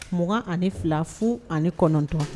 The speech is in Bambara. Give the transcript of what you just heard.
20 ani 2 0 ani 9